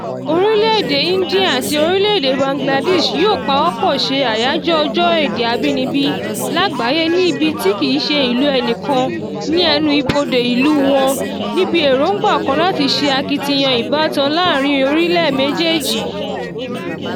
Orílẹ̀-èdè India àti orílẹ̀-èdè Bangladesh yóò pawọ́pọ̀ ṣe àyájọ́ Ọjọ́ Èdè Abínibí Lágbàáyé ní ibi tí kìí se ìlú ẹnìkan ní ẹnu ibodè ìlú wọn, níbi èróńgbà kan láti ṣe akitiyan ìbátan láàárín orílẹ̀ méjèèjì.